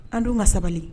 An don ka sabali